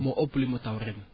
moo ëpp li mu taw ren